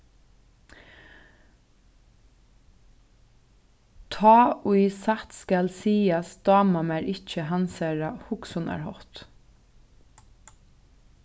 tá ið satt skal sigast dámar mær ikki hansara hugsanarhátt